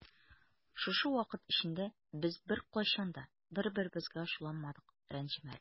Шушы вакыт эчендә без беркайчан да бер-беребезгә ачуланмадык, рәнҗемәдек.